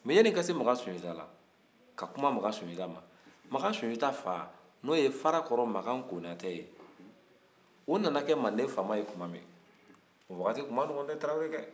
nka yan'i ka se makan sunjata la ka kuma makan sunjata ma makan sunjata fa n'o ye farakɔrɔ makan konatɛ ye o nana kɛ mande faama ye tuma min a waati tun man nɔgɔn dɛ tarawelekɛ